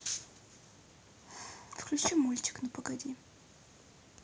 включи мультик ну погоди